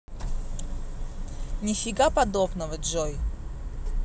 нифига подобного джой